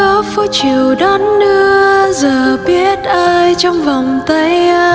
góc phố chiều đón đưa giờ biết ai trong vòng tay ai